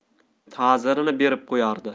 ta'zirini berib qo'yardi